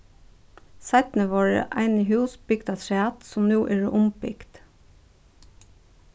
seinni vórðu eini hús bygd afturat sum nú eru umbygd